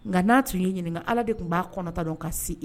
Nka n'a tun ye ɲininka ala de tun b'a kɔnɔta ka se e